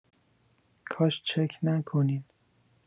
کاش چک نکنین